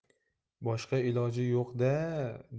boshqa iloji yo'q da